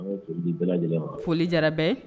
Foli jara bɛ